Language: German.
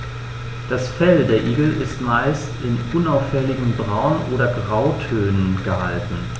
Das Fell der Igel ist meist in unauffälligen Braun- oder Grautönen gehalten.